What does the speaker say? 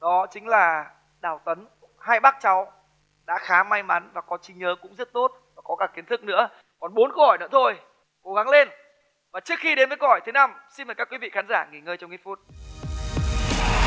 đó chính là đào tấn hai bác cháu đã khá may mắn và có trí nhớ cũng rất tốt và có cả kiến thức nữa còn bốn câu hỏi nữa thôi cố gắng lên và trước khi đến với câu hỏi thứ năm xin mời các quý vị khán giả nghỉ ngơi trong ít phút